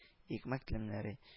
Икмәк телемнәре